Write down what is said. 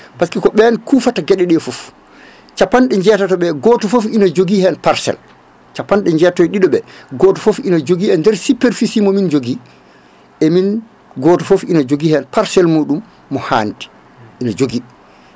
par ce que ko ɓen kuufata gueɗeɗe foof capanɗe jeetato ɓe goto foof ine jogui hen parcelle capanɗe jeetato e ɗiɗo ɓe goto foof ina jogui e superficie momin jogui emin goto foof ine jogui hen parcelle muɗum mo handi ine jogui